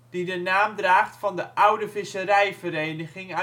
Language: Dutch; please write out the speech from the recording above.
die de naam draagt van de oude visserijvereniging